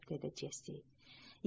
dedi jessi